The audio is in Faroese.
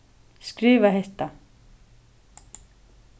skriva hetta